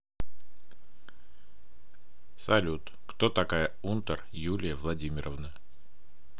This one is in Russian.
салют кто такая unter юлия владимировна